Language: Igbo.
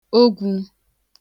ogwū